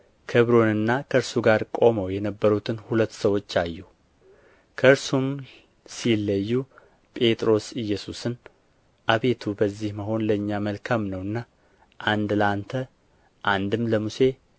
ክብሩንና ከእርሱ ጋር ቆመው የነበሩትን ሁለት ሰዎች አዩ ከእርሱም ሲለዩ ጴጥሮስ ኢየሱስን አቤቱ በዚህ መሆን ለእኛ መልካም ነውና አንድ ለአንተ አንድም ለሙሴ